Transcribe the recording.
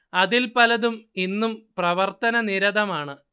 അതിൽ പലതും ഇന്നും പ്രവർത്തനനിരതമാണ്